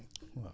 waaw